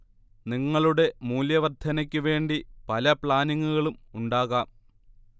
നിങ്ങളുടെ മൂല്യ വർദ്ധനക്ക് വേണ്ടി പല പ്ലാനിങ്ങുകളും ഉണ്ടാകാം